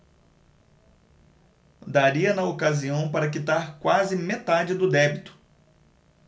daria na ocasião para quitar quase metade do débito